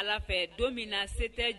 Don min na se tɛ